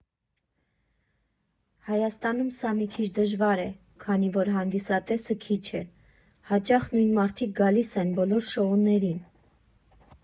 Հայաստանում սա մի քիչ դժվար է, քանի որ հանդիսատեսը քիչ է, հաճախ նույն մարդիկ գալիս են բոլոր շոուներին։